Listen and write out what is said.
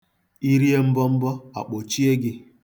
I rie mbọmbọ, a kpọchie gị.